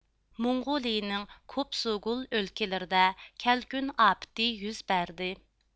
موڭغۇلىيىنىڭ كۇبسۇگۇل ئۆلكىلىرىدە كەلكۈن ئاپىتى يۈز بەردى